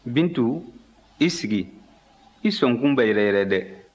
bintu i sigi i sɔnkun bɛ yɛrɛyɛrɛ dɛ